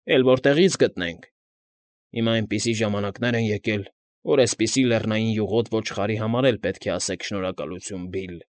Էլ որտեղի՞ց գտնենք։ Հիմա էնպիսի ժամանակներ են եկել, որ էսպիսի լեռնային յուղոտ ոչխարի համար էլ պետք է ասեք՝ «շնորհակալություն, Բիլլ»։